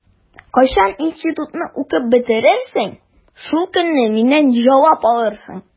Кайчан институтны укып бетерерсең, шул көнне миннән җавап алырсың.